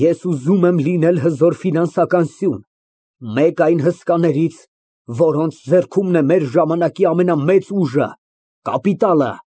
Ես ուզում եմ լինել հզոր ֆինանսական սյուն, մեկն այն հսկաներից, որոնց ձեռքումն է մեր ժամանակի ամենամեծ ուժը ֊ կապիտալը։